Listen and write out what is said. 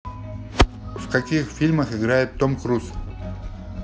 в каких фильмах играет том круз